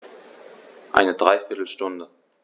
Eine dreiviertel Stunde